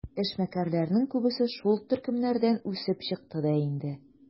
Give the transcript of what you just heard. Эшмәкәрләрнең күбесе шул төркемнәрдән үсеп чыкты да инде.